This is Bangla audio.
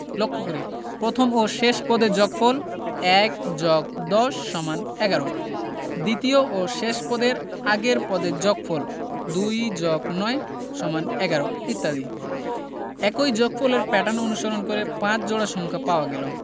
লক্ষ করি প্রথম ও শেষ পদের যগফল ১+১০=১১ দ্বিতীয় ও শেষ পদের আগের পদের যগফল ২+৯=১১ ইত্যাদি একই যোগফলের প্যাটার্ন অনুসরণ করে ৫ জোড়া সংখ্যা পাওয়া গেল